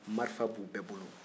marifa b'u bɛɛ bolo